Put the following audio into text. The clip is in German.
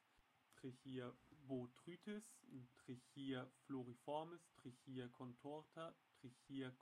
Trichia botrytis Trichia floriformis Trichia contorta Trichia